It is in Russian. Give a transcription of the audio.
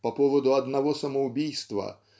по поводу одного самоубийства